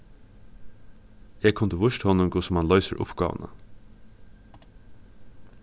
eg kundi víst honum hvussu mann loysir uppgávuna